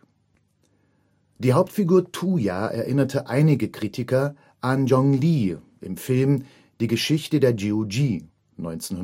Die Hauptfigur Tuya erinnerte einige Kritiker an Gong Li im Film Die Geschichte der Qiu Ju (1992